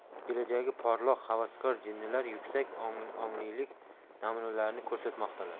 kelajagi porloq havaskor jinnilar yuksak onglilik namunalarini ko'rsatmoqdalar